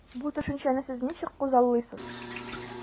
Бу төшенчәне сез ничек күзаллыйсыз?